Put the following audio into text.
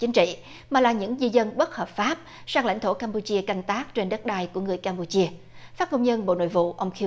chính trị mà là những di dân bất hợp pháp sang lãnh thổ cam pu chia canh tác trên đất đai của người cam pu chia phát ngôn nhân bộ nội vụ ông ciu